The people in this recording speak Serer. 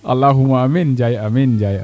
alaxuma amiin Njaay amiin Njaay